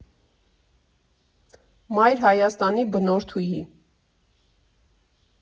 Մայր Հայաստանի բնորդուհի։